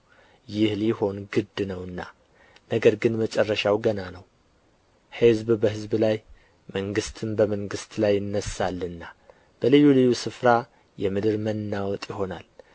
ይህ ሊሆን ግድ ነውና ነገር ግን መጨረሻው ገና ነው ሕዝብ በሕዝብ ላይ መንግሥትም በመንግሥት ላይ ይነሣልና በልዩ ልዩ ስፍራ የምድር መናወጥ ይሆናል